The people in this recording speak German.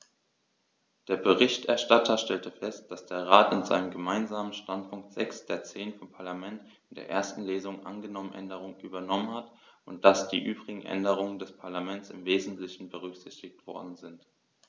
Der Berichterstatter stellte fest, dass der Rat in seinem Gemeinsamen Standpunkt sechs der zehn vom Parlament in der ersten Lesung angenommenen Änderungen übernommen hat und dass die übrigen Änderungen des Parlaments im wesentlichen berücksichtigt worden sind.